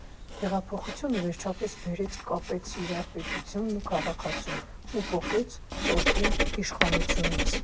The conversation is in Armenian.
Հեղափոխությունը վերջապես բերեց, կապեց իրար պետությանն ու քաղաքացուն ու պոկեց ճորտին իշխանությունից։